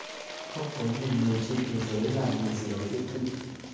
không có nhiều người trên thế giới làm điều gì đó tương tự